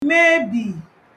mebì